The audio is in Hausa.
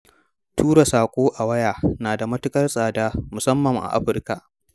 Tura saƙo ta waya na da matuƙar tsada, musamman a Afirka.